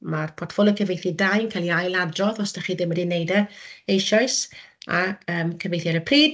ma'r portffolio cyfieithu dau yn cael ei ail-adrodd os ydych chi ddim wedi neud e eisoes a yym cyfieithu ar y pryd.